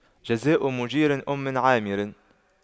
جزاء مُجيرِ أُمِّ عامِرٍ